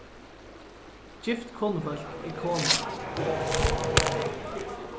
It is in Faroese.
gift konufólk er kona